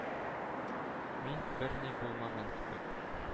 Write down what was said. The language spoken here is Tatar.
Мин, берни булмаган кебек,